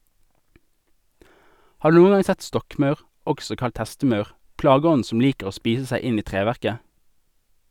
Har du noen gang sett stokkmaur, også kalt hestemaur, plageånden som liker å spise seg inn i treverket?